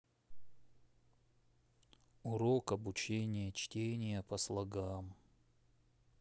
урок обучения чтения по слогам